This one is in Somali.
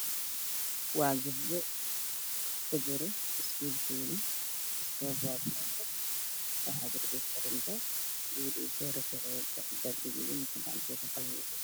Waa private gabdho ayaa fadhiya waxa ay qorayaan mid waxaa xijaab guduud mid xijaab orange ayaa ka dambeeyo